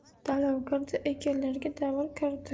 dalv kirdi ekinlarga davr kirdi